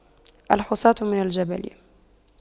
الحصاة من الجبل